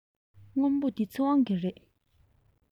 སྔོན པོ འདི ཚེ དབང གི རེད